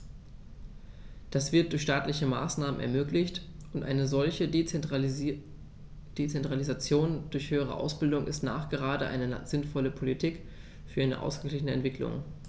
Das wird durch staatliche Maßnahmen ermöglicht, und eine solche Dezentralisation der höheren Ausbildung ist nachgerade eine sinnvolle Politik für eine ausgeglichene Entwicklung.